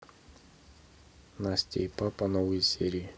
настя и папа новые серии